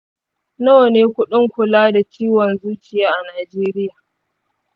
nawa ne kuɗin kula da ciwon zuciya a najeriya?